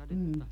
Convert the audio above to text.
mm